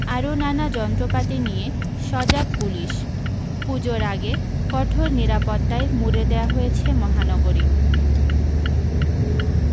আরও নানা যন্ত্রপাতি নিয়ে সজাগ পুলিশ পূজোর আগে কঠোর নিরাপত্তায় মুড়ে দেওয়া হয়েছে মহানগরী